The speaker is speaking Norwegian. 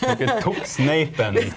dokker tok sneipen.